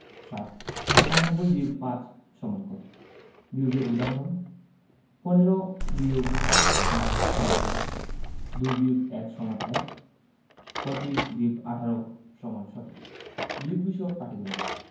৭ ৯৭-৫ = কত বিয়োগের উদাহরণঃ ১৫ – ৮ = ৭ ২ - ১ =১ ৩৫ – ১৮ = ১৭ বিয়োগ বিষয়ক পাটিগনিতঃ